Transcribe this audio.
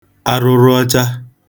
arụrụ ọcha